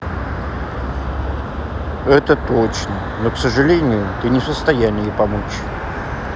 это точно но к сожалению ты не в состоянии помочь